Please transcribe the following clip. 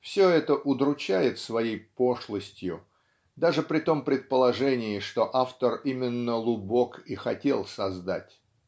все это удручает своею пошлостью, даже при том предположении, что автор именно лубок и хотел создать.